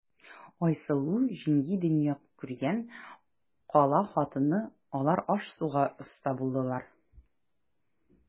Айсылу җиңги дөнья күргән, кала хатыны, алар аш-суга оста булалар.